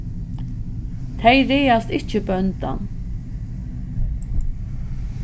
tey ræðast ikki bóndan